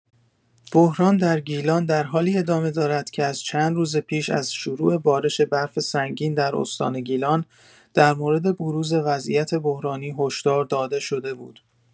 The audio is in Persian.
بحران در گیلان در حالی ادامه دارد که از چند روز پیش از شروع بارش برف سنگین در استان گیلان، در مورد بروز وضعیت بحرانی هشدار داده‌شده بود.